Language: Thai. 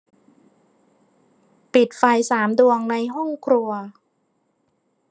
ปิดไฟสามดวงในห้องครัว